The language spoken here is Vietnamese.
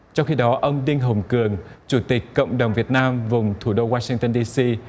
trong khi đó ông đinh hùng cường chủ tịch cộng đồng việt nam vùng thủ đô qua sing tơn đi xi